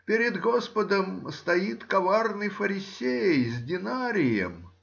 перед господом стоит коварный фарисей с динарием.